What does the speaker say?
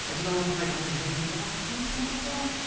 I don't know if like I'm drained by that point? Sa i'n gwbod?